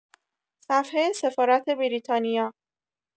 صفحه سفارت بریتانیا